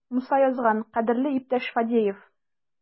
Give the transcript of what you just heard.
Муса язган: "Кадерле иптәш Фадеев!"